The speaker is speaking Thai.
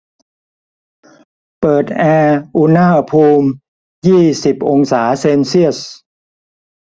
เปิดแอร์อุณหภูมิยี่สิบองศาเซลเซียส